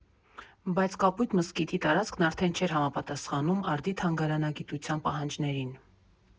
Բայց Կապույտ մզկիթի տարածքն արդեն չէր համապատասխանում արդի թանգարանագիտության պահանջներին։